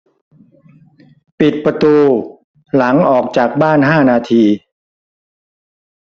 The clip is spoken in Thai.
ปิดประตูหลังออกจากบ้านห้านาที